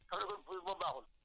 ndaokundaa yëpp ci la ñuy